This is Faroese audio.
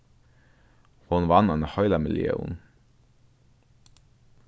hon vann eina heila millión